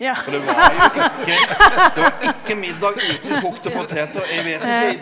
ja ja.